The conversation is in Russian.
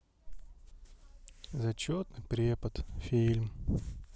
зачетный препод фильм